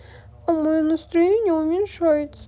а мое настроение уменьшается